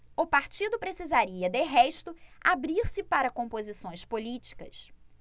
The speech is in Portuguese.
o partido precisaria de resto abrir-se para composições políticas